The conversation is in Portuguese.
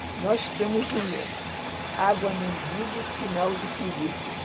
nós temos um lema água no umbigo sinal de perigo